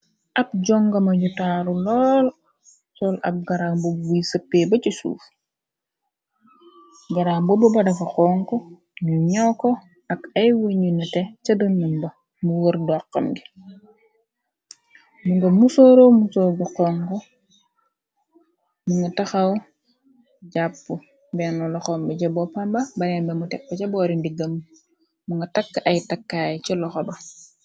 Ab jongama ju taaru lool sool ab garaam bubb buy sëppee ba ci suuf garaam boba ba dafa xong ñu ñoo ko ak ay wu ñu nete ca donum ba mu wër doxxam gi mu nga musooro musooga kong mu nga taxaw jàpp benn loxombi je boppamba banembi mu texp ca boori ndiggam mu nga tàkk ay takkaay ci loxo ba.